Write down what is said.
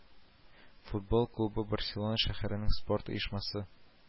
Футбол клубы барселона шәһәренең спорт оешмасы